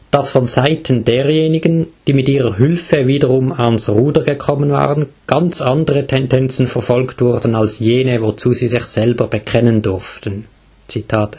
dass von Seiten derjenigen, die mit ihrer Hülfe wiederum an 's Ruder gekommen waren, ganz andere Tendenzen verfolgt wurden, als jene, wozu sie sich selber bekennen durften “. Nach